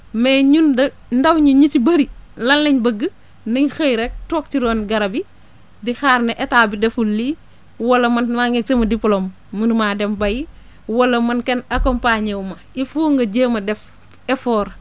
mais ñun de ndaw ñi ñu si bëri lan lañ bëgg nañ xëy rek toog ci ron garab yi di xaar ne état bi deful lii wala man maa ngeeg sama diplôme munumaa dem bayi wala man kenn accompagner wu ma il faut nga jéem a def effort